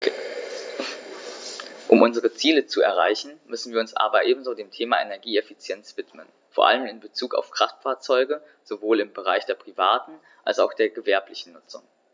Um unsere Ziele zu erreichen, müssen wir uns aber ebenso dem Thema Energieeffizienz widmen, vor allem in Bezug auf Kraftfahrzeuge - sowohl im Bereich der privaten als auch der gewerblichen Nutzung.